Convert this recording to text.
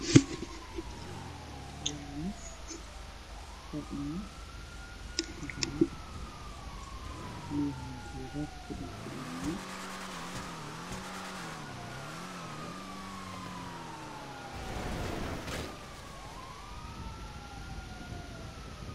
Meeshan waa laami ga biyo ayaa la fadhiya n ayaa ka taagan waana laba qeyb